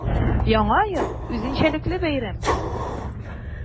Яңа ел – үзенчәлекле бәйрәм.